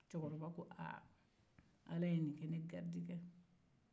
cɛkɔrɔba ko aa ala ye nin kɛ ne garijɛgɛ ye